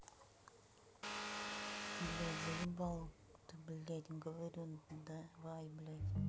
блядь заебал ты блядь говорю давай блядь